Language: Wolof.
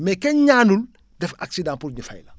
mais kenn ñaanul def accident pour ñu fay la